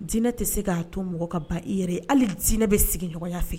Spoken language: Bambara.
Diinɛ tɛ se k'a to mɔgɔ ka ban i yɛrɛ ye hali diinɛ bɛ sigiɲɔgɔɲa fɛ.